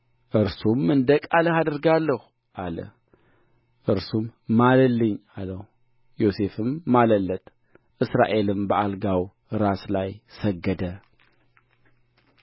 እርሱም እንደ ቃልህ አደርጋለሁ አለ እርሱም ማልልኝ አለው ዮሴፍም ማለለት እስራኤልም በአልጋው ራስ ላይ ሰገደ